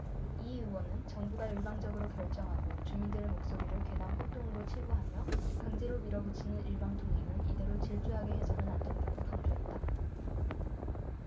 이 의원은 정부가 일방적으로 결정하고 주민들의 목소리를 괴담 폭동으로 치부하며 강제로 밀어붙이는 일방통행을 이대로 질주하게 해서는 안 된다고 강조했다